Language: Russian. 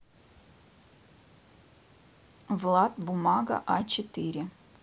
влад бумага а четыре